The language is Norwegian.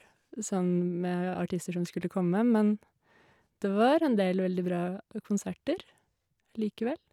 Sånn med artister som skulle komme, men det var en del veldig bra konserter likevel.